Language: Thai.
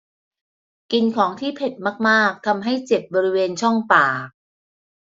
กินของที่เผ็ดมากมากทำให้เจ็บบริเวณช่องปาก